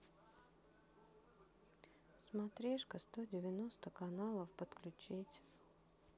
смотрешка сто девяносто каналов подключить